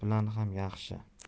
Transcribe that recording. bilan ham yaxshi